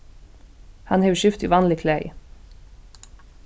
hann hevur skift í vanlig klæði